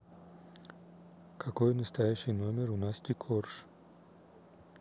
какой настоящий номер у насти корж